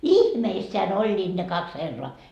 ihmeissään olivat ne kaksi herraa